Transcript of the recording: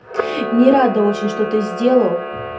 не рада очень что ты сделал